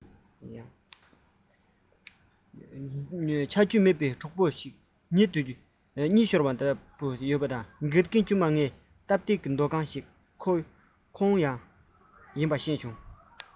ཆ རྒྱུས ཆེར མེད པའི གྲོགས པོ གཉིད དུ ཡུར བའི རྣམ པར བལྟས དགེ རྒན དཀྱུས མ ངའི སྟབས བདེའི སྡོད ཁང འདི ཡང ཁོའི ཡིན པ འདྲ